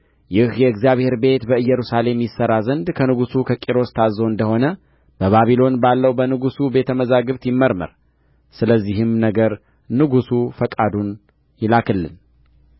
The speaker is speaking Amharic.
ይህ የእግዚአብሔር ቤት በኢየሩሳሌም ይሠራ ዘንድ ከንጉሡ ከቂሮስ ታዝዞ እንደ ሆነ በባቢሎን ባለው በንጉሡ ቤተ መዛግብት ይመርመር ስለዚህም ነገር ንጉሡ ፈቃዱን ይላክልን